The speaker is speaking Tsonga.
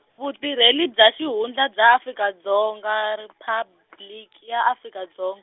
Vutirheli bya Xihundla bya Afrika Dzonga Riphabliki ya Afrika Dzong-.